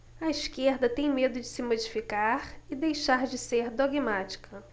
a esquerda tem medo de se modificar e deixar de ser dogmática